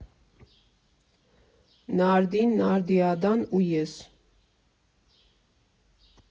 ՆԱՐԴԻՆ, ՆԱՐԴԻԱԴԱՆ ՈՒ ԵՍ։